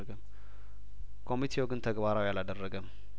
አገም ኮሚቴው ግን ተግባራዊ አላደረገም